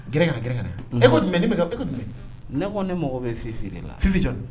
Gɛrɛ ka na gɛrɛ ka na . E ko mais nin bi ka e ko jumɛ? Ne ko ne mɔgɔ bɛ Fifi de la . Fifi jɔn